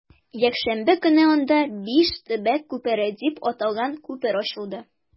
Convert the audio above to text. Якшәмбе көнне анда “Биш төбәк күпере” дип аталган күпер ачылды.